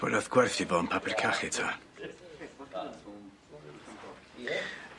Pwy nath gwerthu fo yn papur cachu ta?